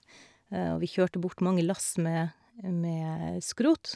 Og vi kjørte bort mange lass med med skrot.